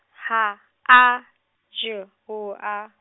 H, A, J W A.